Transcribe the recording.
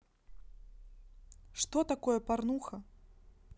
что такое порнуха